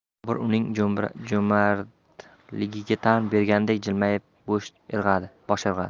bobur uning jo'mardligiga tan bergandek jilmayib bosh irg'adi